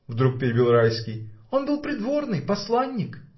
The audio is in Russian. — вдруг перебил Райский, — он был придворный, посланник.